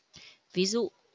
ví dụ